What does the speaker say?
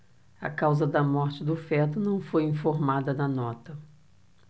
a causa da morte do feto não foi informada na nota